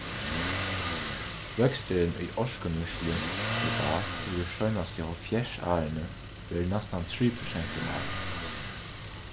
vøksturin í orkunýtslu globalt hevur seinastu hálvfjerðs árini verið næstan trý prosent um árið